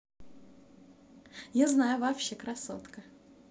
я знаю вообще красотка